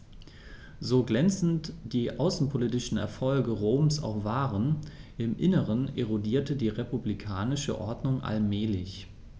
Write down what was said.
So glänzend die außenpolitischen Erfolge Roms auch waren: Im Inneren erodierte die republikanische Ordnung allmählich.